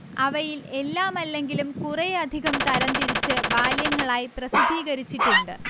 അവയിൽ എല്ലാമല്ലെങ്കിലും കുറേയധികം തരംതിരിച്ച് വാല്യങ്ങളായി പ്രസിദ്ധീകരിച്ചിട്ടുണ്ട്